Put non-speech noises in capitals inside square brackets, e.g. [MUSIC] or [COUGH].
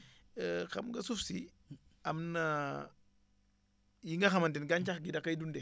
[HESITATION] xam nga suuf si am na [HESITATION] yi nga xamante ni gàncax gi da kay dundee